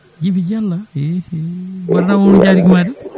Djiby Diallo hehe mbar wona on woni jatigue ma de